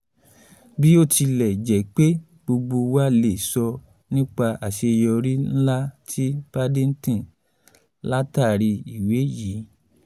Bí ó tilẹ̀ jẹ́ pé gbogbo wa lè sọ nípa àseyọrí ǹlà ti Paddington látàrí ìwé yìí.”